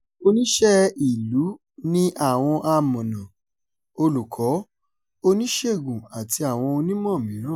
Oníṣẹ́ ìlú ni àwọn amọ̀nà, olùkọ́, oníṣègùn àti àwọn onímọ̀ mìíràn.